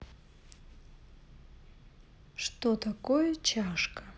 что такое чашка